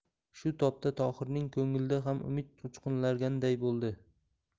shu topda tohirning ko'nglida ham umid uchqunlaganday bo'ldi